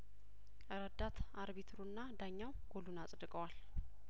እረዳት አርቢትሩና ዳኛው ጐሉን አጽድ ቀዋል